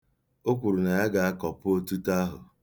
O kwuru na ya ga-akọpu otito ahụ.